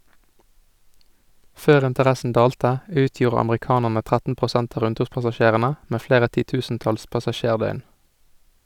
Før interessen dalte, utgjorde amerikanerne 13 prosent av rundturpassasjerene, med flere titusentalls passasjerdøgn.